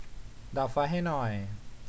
ดับไฟให้หน่อย